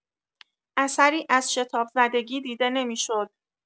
اثری از شتابزدگی دیده نمی‌شد.